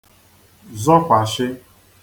zọkwàshị